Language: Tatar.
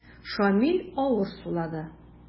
Шамил авыр сулады.